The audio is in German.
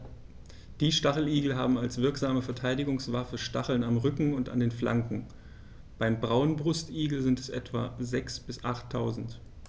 Die Stacheligel haben als wirksame Verteidigungswaffe Stacheln am Rücken und an den Flanken (beim Braunbrustigel sind es etwa sechs- bis achttausend).